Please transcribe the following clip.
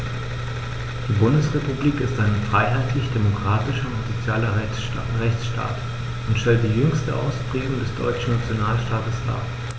Die Bundesrepublik ist ein freiheitlich-demokratischer und sozialer Rechtsstaat[9] und stellt die jüngste Ausprägung des deutschen Nationalstaates dar.